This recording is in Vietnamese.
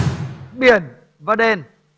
biển và đền